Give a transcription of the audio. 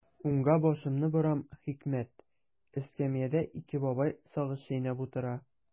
Уңга башымны борам– хикмәт: эскәмиядә ике бабай сагыз чәйнәп утыра.